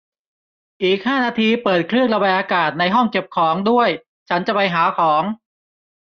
อีกห้านาทีเปิดเครื่องระบายอากาศในห้องเก็บของด้วยฉันจะไปหาของ